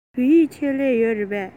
བོད ཡིག ཆེད ལས ཡོད རེད པས